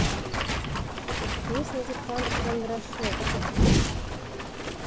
песня диктант кондрашов